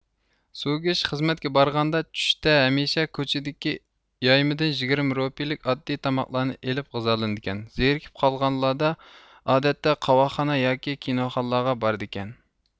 سۇگېش خىزمەتكە بارغاندا چۈشتە ھەمىشە كوچىدىكى يايمىدىن يىگىرمە رۇپىيىلىك ئاددىي تاماقلارنى ئېلىپ غىزالىنىدىكەن زىرىكىپ قالغانلاردا ئادەتتە قاۋاقخانا ياكى كىنوخانىلارغا بارىدىكەن